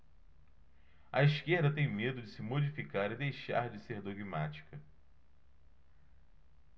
a esquerda tem medo de se modificar e deixar de ser dogmática